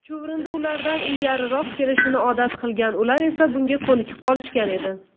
chuvrindi ulardan ilgariroq kelishni odat qilgan ular esa bunga ko'nikib qolishgan edi